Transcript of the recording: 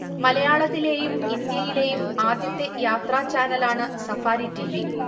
മലയാളത്തിലെയും ഇന്ത്യയിലെയും ആദ്യത്തെ യാത്രാചാനലാണ് സഫാരി ടിവി